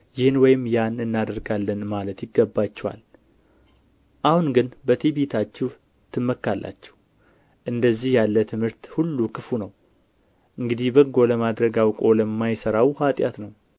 ይህን ወይም ያን እናደርጋለን ማለት ይገባችኋል አሁን ግን በትዕቢታችሁ ትመካላችሁ እንደዚህ ያለ ትምክህት ሁሉ ክፉ ነው እንግዲህ በጎ ለማድረግ አውቆ ለማይሠራው ኃጢአት ነው